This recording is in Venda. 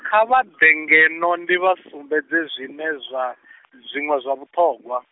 kha vha ḓe ngeno ndi vha sumbedze zwiṅwe zwa , zwiṅwe zwa vhuṱhogwa.